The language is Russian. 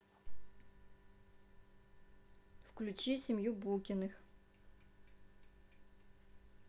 включи семью букиных